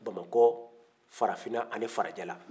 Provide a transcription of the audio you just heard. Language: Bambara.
bamakɔ farafinna ani farajɛla